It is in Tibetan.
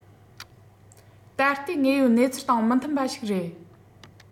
ད ལྟའི དངོས ཡོད གནས ཚུལ དང མི མཐུན པ ཞིག རེད